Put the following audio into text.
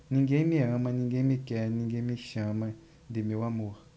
ninguém me ama ninguém me quer ninguém me chama de meu amor